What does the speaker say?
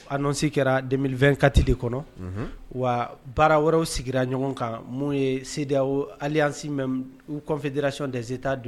Annonce kɛra 2024 de kɔnɔ. Unhun! Wa baara wɛrɛw sigira ɲɔgɔn kan mun ye CEDEAO, alliance même ou confédération des etats du .